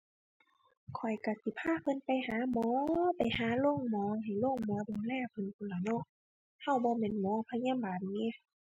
ข้อยก็สิพาเพิ่นไปหาหมอ ไปหาโรงหมอ ให้โรงหมอดูแลเพิ่นพู้นล่ะเนาะ ก็บ่แม่นหมอพยาบาลหนิ